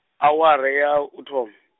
awara ya, u thoma.